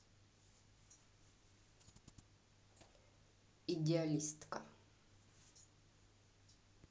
идеалистка